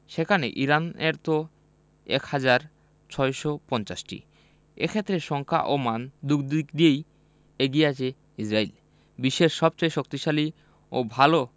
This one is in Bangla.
সেখানে ইরানের তা ১ হাজার ৬৫০টি এ ক্ষেত্রে সংখ্যা ও মান দুদিক দিয়েই এগিয়ে আছে ইসরায়েল বিশ্বের সবচেয়ে শক্তিশালী ও ভালো